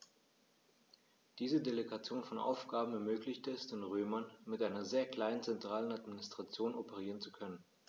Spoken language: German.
Diese Delegation von Aufgaben ermöglichte es den Römern, mit einer sehr kleinen zentralen Administration operieren zu können.